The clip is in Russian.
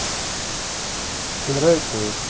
тебе нравится это